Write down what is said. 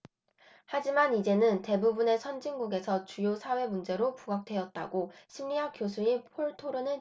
하지만 이제는 대부분의 선진국에서 주요 사회 문제로 부각되었다고 심리학 교수인 폴 토로는 지적합니다